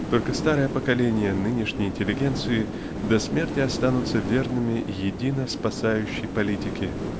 -- только старые поколения нынешней интеллигенции до смерти останутся верными едино-спасающей политике.